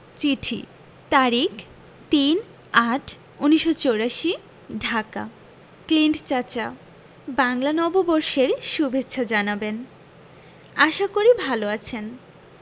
চিঠি তারিখ ৩-৮-৮৪ ঢাকা ক্লিন্ট চাচা বাংলা নববর্ষের সুভেচ্ছা জানাবেন আশা করি ভালো আছেন